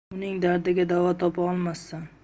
uning dardiga davo topa olmassan